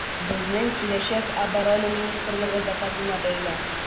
Безнең киләчәк Оборона министрлыгы заказына бәйле.